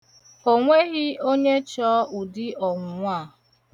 O nweghị onye chọ ụdị ọnwụnwa a.